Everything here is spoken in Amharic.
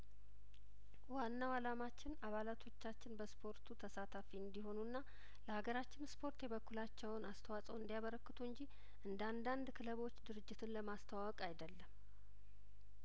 ዋናው አላማችን አባላቶቻችን በስፖርቱ ተሳታፊ እንዲሆኑና ለሀገራችን ስፖርት የበኩላቸውን አስተዋጽኦ እንዲ ያበረክቱ እንጂ እንደአንዳንድ ክለቦች ድርጅትን ለማስተዋወቅ አይደለም